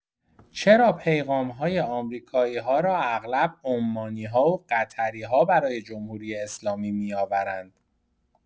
چرا پیغام‌های آمریکایی‌ها را اغلب عمانی‌ها و قطری‌ها برای جمهوری‌اسلامی می‌آورند؟